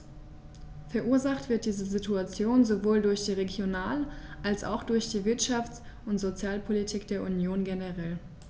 Verursacht wird diese Situation sowohl durch die Regional- als auch durch die Wirtschafts- und Sozialpolitik der Union generell.